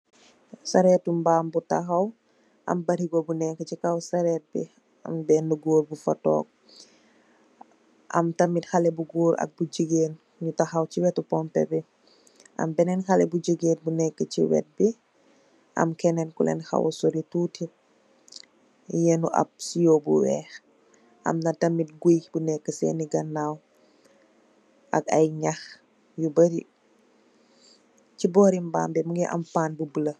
sarseretu mbaam bu tahaw am barigo bu nek ci kaw sereet bi am beneu goor bufa tog am tamit haleh bu goor akk bu jigeen yu tahaw ci wetu pompeh bi am benen haleh bu jigeen bu neek ci wet bi am kulen hala sori tuti yenu ab siyo bu weex amna tamit gueyy bu nek Sen ganaw ak ay nyaax yu bari ci bori mbaam bi mungi am pan bu bulo